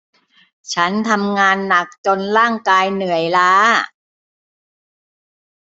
ฉันทำงานหนักจนร่างกายเหนื่อยล้า